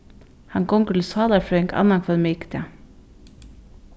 hann gongur til sálarfrøðing annanhvønn mikudag